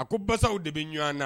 A ko basaw de bɛ ɲɔgɔn na